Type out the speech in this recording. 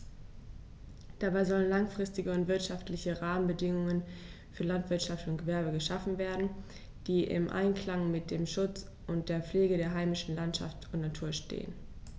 Dabei sollen langfristige und wirtschaftliche Rahmenbedingungen für Landwirtschaft und Gewerbe geschaffen werden, die im Einklang mit dem Schutz und der Pflege der heimischen Landschaft und Natur stehen.